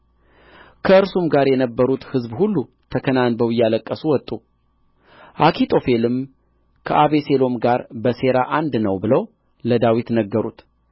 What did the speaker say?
ከእርሱም ጋር የነበሩት ሕዝብ ሁሉ ተከናንበው እያለቀሱ ወጡ አኪጦፌል ከአቤሴሎም ጋር በሴራ አንድ ነው ብለው ለዳዊት ነገሩት